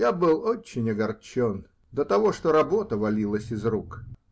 Я был очень огорчен, до того, что работа валилась из рук.